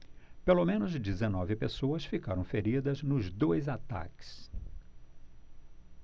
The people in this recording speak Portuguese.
pelo menos dezenove pessoas ficaram feridas nos dois ataques